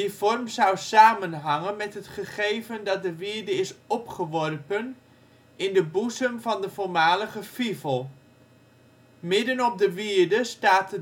vorm zou samenhangen met het gegeven dat de wierde is opgeworpen in de boezem van de voormalige Fivel. Midden op de wierde staat